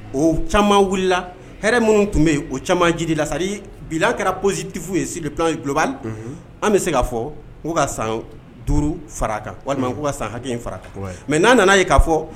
O caman wulila hɛrɛ minnu tun bɛ yen o caman ji lasari bila kɛra kositifu ye sidi tan ye kulobali an bɛ se ka fɔ ka san duuru fara kan walima'u ka san hakɛ fara kan mɛ n'a nana ye ka fɔ